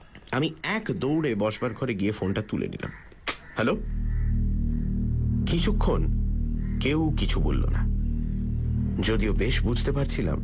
আমি এক দৌড়ে বসবার ঘরে গিয়ে ফোনটা তুলে নিলাম হ্যালো কিছুক্ষণ কেউ কিছু বলল না যদিও বেশ বুঝতে পারছিলাম